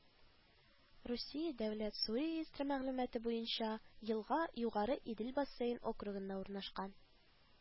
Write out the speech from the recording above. Русия дәүләт су реестры мәгълүматы буенча елга Югары Идел бассейн округында урнашкан